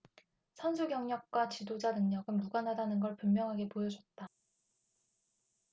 선수 경력과 지도자 능력은 무관하다는 걸 분명하게 보여줬다